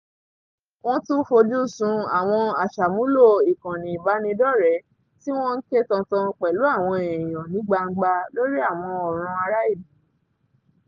Wọ́n tún ń fojú sun àwọn aṣàmúlò ìkànnì ìbánidọ́rẹ̀ẹ́ tí wọ́n ń ké tantan pẹ̀lú àwọn èèyàn ní gbangba lórí àwọn ọ̀ràn ará-ìlú.